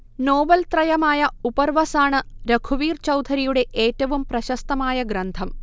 നോവൽത്രയമായ ഉപർവസാണ് രഘുവീർ ചൗധരിയുടെ ഏറ്റവും പ്രശസ്തമായ ഗ്രന്ഥം